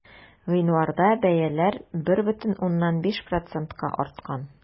Гыйнварда бәяләр 1,5 процентка арткан.